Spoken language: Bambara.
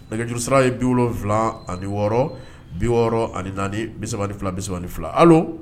Nɛgɛjurusira ye 76 64 32 32 allo